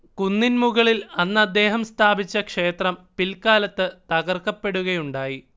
കുന്നിൻ മുകളിൽ അന്നദ്ദേഹം സ്ഥാപിച്ച ക്ഷേത്രം പിൽകാലത്ത് തകർക്കപ്പെടുകയുണ്ടായി